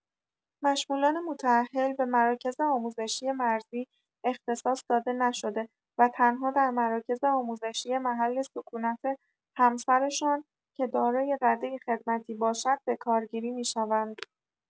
مشمولان متاهل به مراکز آموزشی مرزی اختصاص داده نشده و تنها در مراکز آموزشی محل سکونت همسرشان که دارای رده خدمتی باشد بکارگیری می‌شوند.